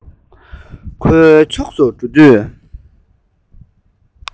ཁོའི ཕྱོགས སུ འགྲོ དུས